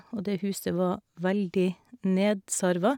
Og det huset var veldig nedsarva.